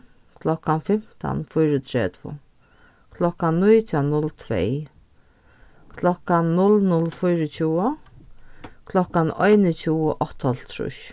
klokkan fimtan fýraogtretivu klokkan nítjan null tvey klokkan null null fýraogtjúgu klokkan einogtjúgu áttaoghálvtrýss